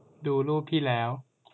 ดูรูปที่แล้ว